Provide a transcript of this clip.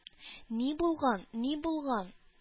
-ни булган, ни булган...